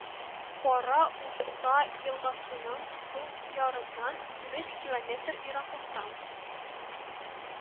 Кара Уса елгасының сул ярыннан унөч километр ераклыкта